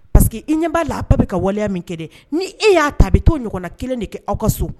Pariseke i ɲɛ b'a la a bɛɛ bɛ ka waleya min kɛ ni e y'a ta a bɛ to ɲɔgɔnna kelen de kɛ aw ka so